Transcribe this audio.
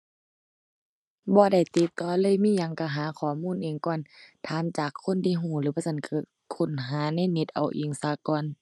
บ่ได้ติดต่อเลย มีหยังก็หาข้อมูลเองก่อน ถามจากคนที่ก็ หรือบ่ซั้นก็ค้นหาในเน็ตเอาเองซะก่อน